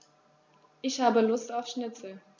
Ich habe Lust auf Schnitzel.